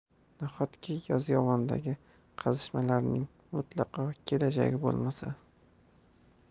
nahotki yozyovondagi qazishmalarning mutlaqo kelajagi bo'lmasa